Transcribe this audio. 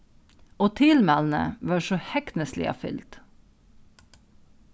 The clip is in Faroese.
og tilmælini vóru so hegnisliga fylgd